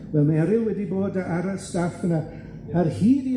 Wel, mae Eryl wedi bod a- ar y staff yna ar hyd